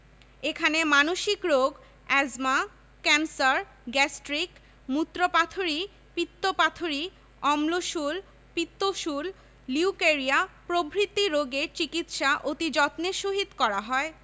এখানে মানসিক রোগ এ্যজমা ক্যান্সার গ্যাস্ট্রিক মুত্রপাথড়ী পিত্তপাথড়ী অম্লশূল পিত্তশূল লিউকেরিয়া প্রভৃতি রোগের চিকিৎসা অতি যত্নের সহিত করা হয়